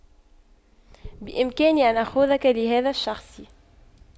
بإمكاني أن آخذك لهذا الشخص